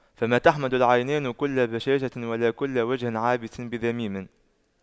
فما تحمد العينان كل بشاشة ولا كل وجه عابس بذميم